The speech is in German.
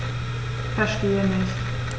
Verstehe nicht.